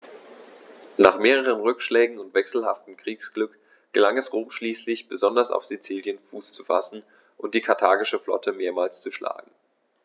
Nach mehreren Rückschlägen und wechselhaftem Kriegsglück gelang es Rom schließlich, besonders auf Sizilien Fuß zu fassen und die karthagische Flotte mehrmals zu schlagen.